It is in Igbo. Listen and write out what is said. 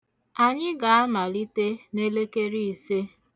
Anyị ga-amalite n'elekere ise.